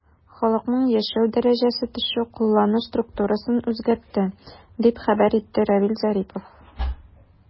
Халыкның яшәү дәрәҗәсе төшү куллану структурасын үзгәртте, дип хәбәр итте Равиль Зарипов.